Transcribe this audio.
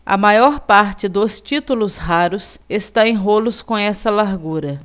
a maior parte dos títulos raros está em rolos com essa largura